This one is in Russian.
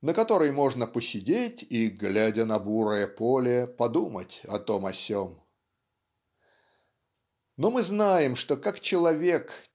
на которой можно посидеть и "глядя на бурое поле подумать о том о сем". Но мы знаем что как человек